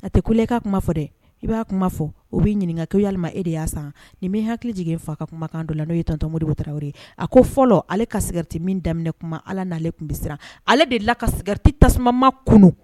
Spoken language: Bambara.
A tɛ kule i ka kuma fɔ dɛ i b'a kuma fɔ o bɛ ɲininkakakɛ' e de y'a san nin min hakili jigin fa ka kumakan kan don n'o ye tɔntɔnonmota a ko fɔlɔ ale ka sɛɛrɛti min daminɛ kuma ala n'ale tun bɛ siran ale de la ka sɛgɛrɛti tasuma ma kunun